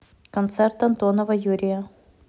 концерт антонова юрия